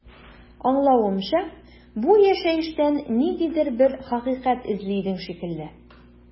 Аңлавымча, бу яшәештән ниндидер бер хакыйкать эзли идең шикелле.